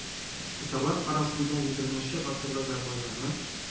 Татарлар арасында егерменче гасырда да байларны,